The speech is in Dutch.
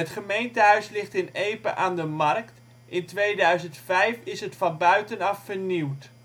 Gemeentehuis ligt in Epe aan de markt. In 2005 is het van buiten af vernieuwd